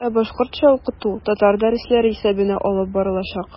Ә башкортча укыту татар дәресләре исәбенә алып барылачак.